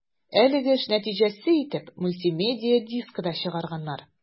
Әлеге эш нәтиҗәсе итеп мультимедия дискы да чыгарганнар.